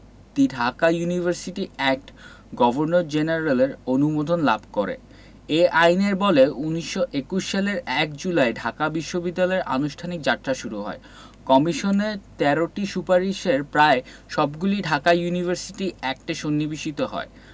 দি Dhaka University Act governor জেনারেলের অনুমোদন লাভ করে এ আইনের বলে ১৯২১ সালের ১ জুলাই ঢাকা বিশ্ববিদ্যালয়ের আনুষ্ঠানিক যাত্রা শুরু হয় কমিশনের ১৩টি সুপারিশের প্রায় সবগুলিই ঢাকা ইউনিভার্সিটি অ্যাক্টে সন্নিবেশিত হয়